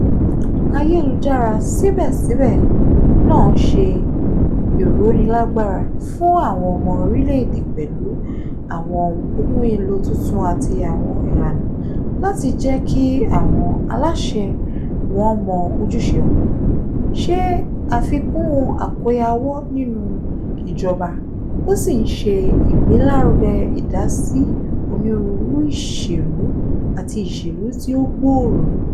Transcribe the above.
Ayélujára, síbẹ̀síbẹ̀, náà ń ṣe ìrónílágbára fún àwọn ọmọ orílẹ̀ èdè pẹ̀lú àwọn ohun èlò tuntun àti àwọn ìlànà láti jẹ́ kí àwọn aláṣẹ wọn mọ ojúṣe wọn, ṣe àfikún àkóyawọ́ nínú ìjọba, ó sì ń ṣe ìgbélárugẹ ìdásí onírúurú ìṣèlú àti ìṣèlú tí ó gbòòrò.